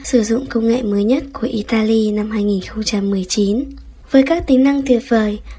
sử dụng công nghệ mới nhất của italy năm với các tính năng tuyệt vời